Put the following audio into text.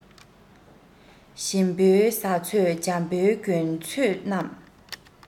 ཞིམ པོའི ཟ ཚོད འཇམ པོའི གྱོན ཚོད རྣམས